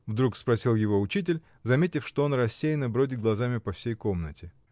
— вдруг спросил его учитель, заметив, что он рассеянно бродит глазами по всей комнате.